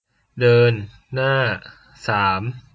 เดินหน้าสาม